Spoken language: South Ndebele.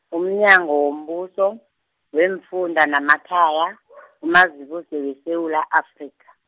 umnyango wombuso, weemfunda namakhaya, uMazibuse weSewula Afrika.